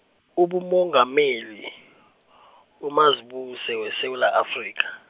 ubumongameli , uMazibuse weSewula Afrika.